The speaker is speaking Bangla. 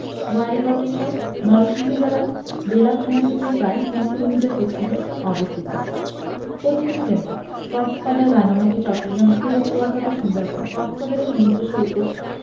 ওয়ারী বটেশ্বর নরসিংদী জেলার বেলাব থানা থেকে প্রায় তিন কিলোমিটার পশ্চিমে অবস্থিত পর্যটন কেন্দ্রঃ কক্সবাজার রাঙ্গামাটি চট্টগ্রাম সিলেট কুয়াকাটা সুন্দরবন কক্সবাজারের সমুদ্র সৈকত